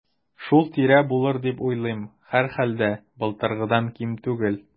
Шул тирә булыр дип уйлыйм, һәрхәлдә, былтыргыдан ким түгел.